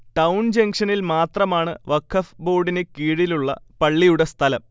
town ജങ്ഷനിൽമാത്രമാണ് വഖഫ് ബോഡിന് കീഴിലുള്ള പള്ളിയുടെ സ്ഥലം